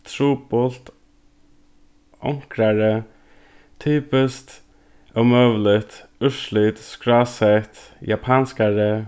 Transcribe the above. trupult onkrari typiskt ómøguligt úrslit skrásett japanskari